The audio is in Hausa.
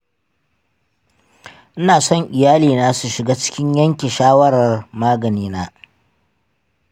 ina son iyalina su shiga cikin yanke shawarar maganina.